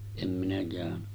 en minä käynyt